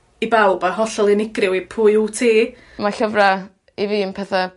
i bawb a hollol unigryw i pwy w't ti. Ma' llyfra' i fi yn petha pŵerus